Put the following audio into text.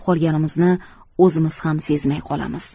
qolganimizni o'zimiz ham sezmay qolamiz